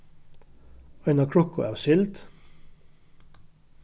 eina krukku av sild